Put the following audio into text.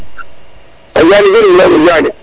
o Diané genum o Diané